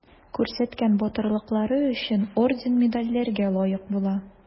Күрсәткән батырлыклары өчен орден-медальләргә лаек була.